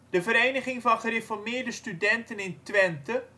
De Vereniging van Gereformeerde Studenten in Twente